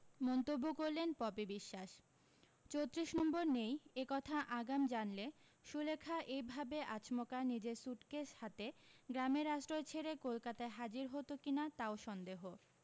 মন্তব্য করলেন পপি বিশ্বাস চোত্রিশ নম্বর নেই একথা আগাম জানলে সুলেখা এইভাবে আচমকা নিজের সুটকেস হাতে গ্রামের আশ্রয় ছেড়ে কলকাতায় হাজির হতো কিনা তাও সন্দেহ